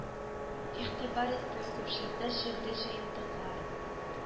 Игътибар иттем күпчелектә шигъри җыентыклар